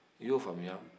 i y'o faamuya